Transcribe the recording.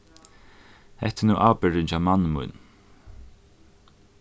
hetta er nú ábyrgdin hjá manni mínum